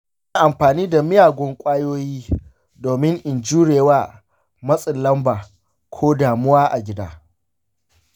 ina amfani da miyagun ƙwayoyi domin in jure wa matsin lamba ko damuwa a gida.